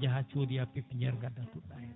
jaaya codaya pépiniére gadda tudɗa hen